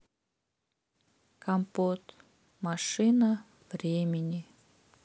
компот машина времени